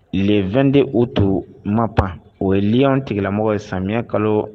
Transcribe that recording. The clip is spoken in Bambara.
2 de o to ma pan o ye liɔn tigɛlamɔgɔ ye samiyɛ kalo